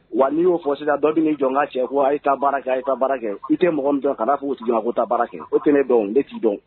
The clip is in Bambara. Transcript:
Wa n'i y'o fɔ sisan dɔ bɛ n'i jɔ n ka cɛ ko a' ye taa baara kɛ a' ye ta baara kɛ, i tɛ mɔgɔ min dɔn kan'a f'o ko taa baara kɛ e tɛ ne dɔn ne t'i dɔn